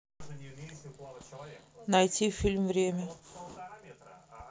найти фильм время